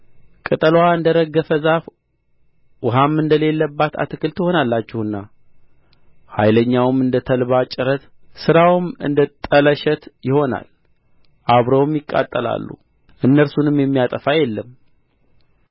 ቅጠልዋ እንደ ረገፈ ዛፍ ውሃም እንደሌለባት አትክልት ትሆናላችሁና ኃይለኛውም እንደ ተልባ ጭረት ሥራውም እንደ ጠለሸት ይሆናል አብረውም ይቃጠላሉ እነርሱንም የሚያጠፋ የለም